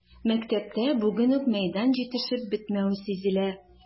Мәктәптә бүген үк мәйдан җитешеп бетмәве сизелә.